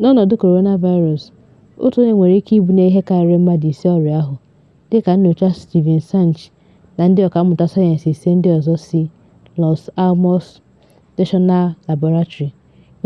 N'ọnọdụ Coronavirus, otu onye nwere ike ibunye ihe karịrị mmadụ ise ọrịa ahụ, dị ka nnyocha Steven Sanche na ndị ọkàmmụta sayensị ise ndị ọzọ si Los Alamos National Laboratory,